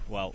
waaw